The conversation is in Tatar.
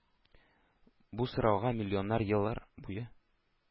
Бу сорауга миллионнар еллар буе